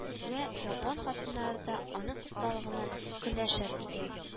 Вә япон хатыннары да аның осталыгыннан көнләшер иде